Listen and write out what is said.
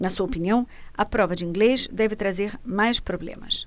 na sua opinião a prova de inglês deve trazer mais problemas